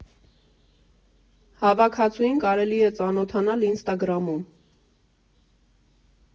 Հավաքածուին կարելի է ծանոթանալ Ինստագրամում։